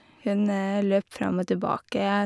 Hun løp frem og tilbake.